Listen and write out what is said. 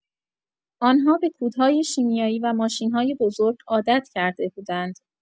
آن‌ها به کودهای شیمیایی و ماشین‌های بزرگ عادت کرده بودند.